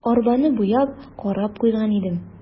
Арбаны буяп, карап куйган идем.